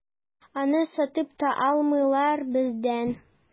Аны сатып та алмыйлар бездән.